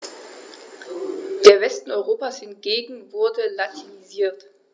Der Westen Europas hingegen wurde latinisiert.